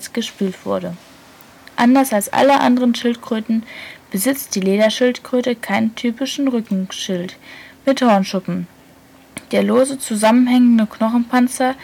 gespült wurde. Anders als alle anderen Schildkröten besitzt die Lederschildkröte keinen typischen Rückenschild mit Hornschuppen. Der lose zusammenhängende Knochenpanzer